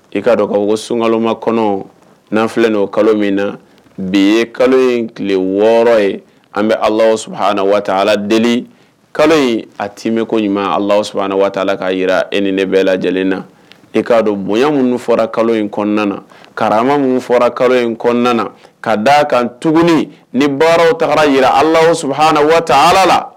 I'a dɔn ka ko sunkaloma kɔnɔ n'an filɛ'o kalo min na bi ye kalo in tile wɔɔrɔ ye an bɛ ala waa ala deli kalo in a tiimɛ ko ɲuman la ka yi e ni ne bɛɛ lajɛlen na k'a dɔn bonya minnu fɔra kalo in kɔnɔna na kararabama minnu fɔra kalo in kɔnɔnaana ka da kan tuguni ni baaraw taara jira alaha waa ala la